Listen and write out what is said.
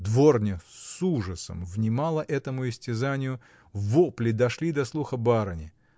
Дворня с ужасом внимала этому истязанию, вопли дошли до слуха барыни.